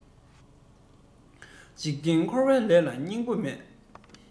འཇིག རྟེན འཁོར བའི ལས ལ སྙིང པོ མེད